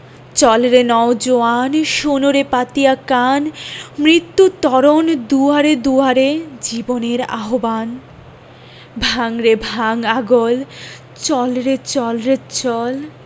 চল রে নও জোয়ান শোন রে পাতিয়া কান মৃত্যু তরণ দুয়ারে দুয়ারে জীবনের আহবান ভাঙ রে ভাঙ আগল চল রে চল রে চল